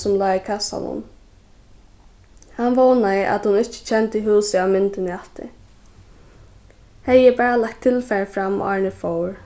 sum lá í kassanum hann vónaði at hon ikki kendi húsið á myndini aftur hevði eg bara lagt tilfarið fram áðrenn eg fór